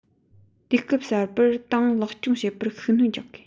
དུས སྐབས གསར པར ཏང ལེགས སྐྱོང བྱེད པར ཤུགས སྣོན རྒྱག དགོས